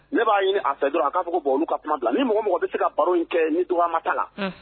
Ne b'a ɲini a fɛ dɔrɔn k'a fɔ bo ka kuma bila ni mɔgɔ bɛ se ka baro in kɛ ni dɔgɔma ta la